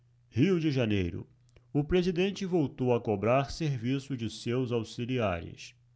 rio de janeiro o presidente voltou a cobrar serviço de seus auxiliares